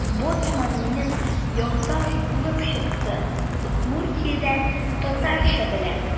Боцман минем якташ булып чыкты: Удмуртиядән – татарча белә.